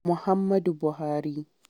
Muhammadu Buhari